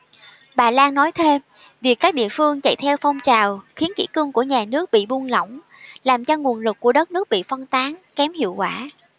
bà lan nói thêm việc các địa phương chạy theo phong trào khiến kỷ cương của nhà nước bị buông lỏng làm cho nguồn lực của đất nước bị phân tán kém hiệu quả